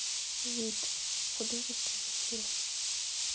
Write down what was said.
вита художественный фильм